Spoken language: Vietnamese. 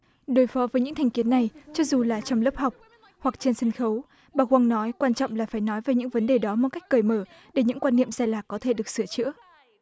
đối phó với những thành kiến này cho dù là trong lớp học hoặc trên sân khấu bà quân nói quan trọng là phải nói về những vấn đề đó một cách cởi mở để những quan niệm sai lạc có thể được sửa chữa